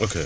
ok